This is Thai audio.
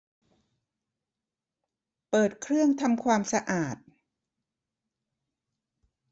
เปิดเครื่องทำความสะอาด